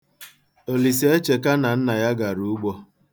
Olisaecheka na nna ya gara ugbo.